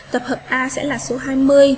tập hợp a sẽ là số